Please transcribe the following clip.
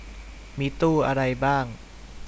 มีตู้อะไรบ้าง